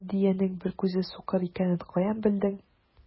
Ә дөянең бер күзе сукыр икәнен каян белдең?